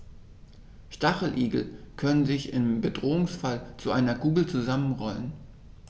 Stacheligel können sich im Bedrohungsfall zu einer Kugel zusammenrollen.